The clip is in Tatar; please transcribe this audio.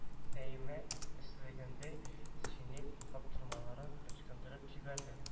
Фәимә эсселәгәндәй шинель каптырмаларын ычкындырып җибәрде